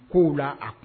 Kow la a